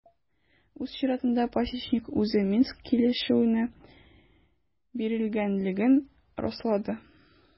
Үз чиратында Пасечник үзе Минск килешүенә бирелгәнлеген раслады.